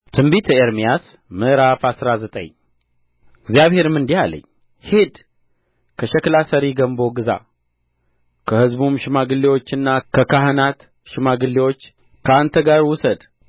ትንቢተ ኤርምያስ ምዕራፍ አስራ ዘጠኝ እግዚአብሔርም እንዲህ አለኝ ሂድ ከሸክላ ሠሪ ገምቦ ግዛ ከሕዝቡም ሽማግሌዎችና ከካህናት ሽማግሌዎች ከአንተ ጋር ውሰድ